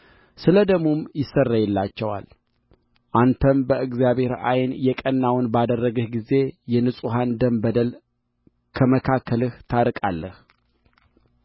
ስለ ደሙም ይሰረይላቸዋል አንተም በእግዚአብሔር ዓይን የቀናውን ባደረግህ ጊዜ የንጹሑን ደም በደል ከመካከልህ ታርቃለህ